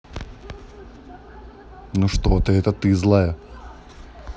ну что ты это ты злая